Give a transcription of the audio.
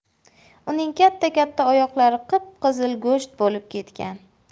uning katta katta oyoqlari qip qizil go'sht bo'lib ketgan